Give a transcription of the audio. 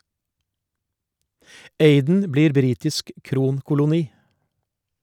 Aden blir britisk kronkoloni.